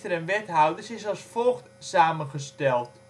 en wethouders is als volgt samengesteld